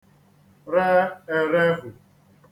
re èrehù